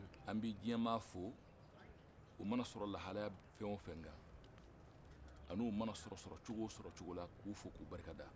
anw bɛ jiɲɛ maa fo u mana sɔrɔ lahalaya fɛnfɛn kan ani u mana sɔrɔ sɔrɔ cogo o sɔrɔ cogo la k'u fo k'u barika da